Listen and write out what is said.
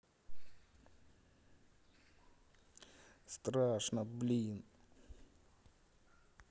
страшно блин